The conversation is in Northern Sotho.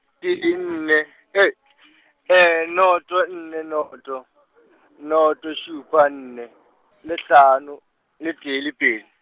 ke di nne, eight noto nne noto, noto šupa nne, le hlano, le tee, le pedi.